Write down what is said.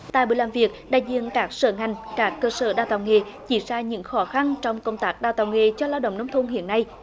tại buổi làm việc đại diện các sở ngành các cơ sở đào tạo nghề chỉ ra những khó khăn trong công tác đào tạo nghề cho lao động nông thôn hiện nay